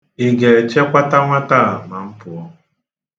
Ị ga-echakwata nwata a ma m pụọ?